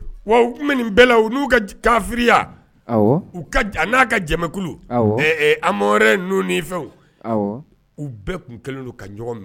Wa u tun bɛ nin bɛɛ la n'u ka kafiya n'a ka jɛkulu an n' fɛw uu bɛɛ tun kɛlen don ka ɲɔgɔn minɛ